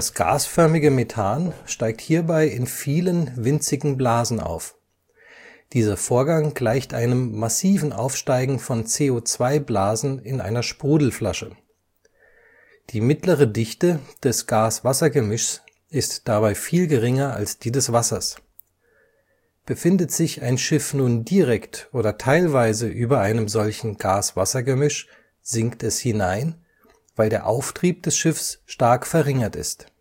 gasförmige Methan steigt hierbei in vielen, winzigen Blasen auf. Dieser Vorgang gleicht einem massiven Aufsteigen von CO2-Blasen in einer Sprudelflasche. Die mittlere Dichte des Gas-Wasser-Gemischs ist dabei viel geringer als die des Wassers. Befindet sich ein Schiff nun direkt oder teilweise über einem solchen Gas-Wasser-Gemisch, sinkt es hinein, weil der Auftrieb des Schiffs stark verringert ist